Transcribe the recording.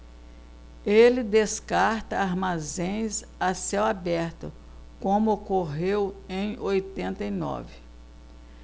ele descarta armazéns a céu aberto como ocorreu em oitenta e nove